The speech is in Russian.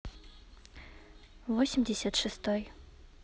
восемьдесят шестой